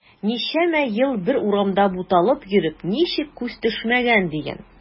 Ничәмә ел бер урамда буталып йөреп ничек күз төшмәгән диген.